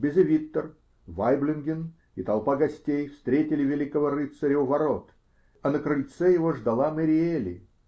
Безевиттер, Вайблинген и толпа гостей встретили великого рыцаря у ворот, а на крыльце его ждала Мэриели.